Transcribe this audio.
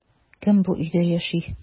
Кем бу өйдә яши?